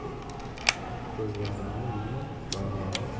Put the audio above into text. ko'zlarimni yumib doniyorning